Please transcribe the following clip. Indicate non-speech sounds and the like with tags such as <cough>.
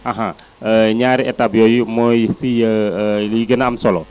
aha <hesitation> ñaari étape yu mooy si <hesitation> liy gën a am solo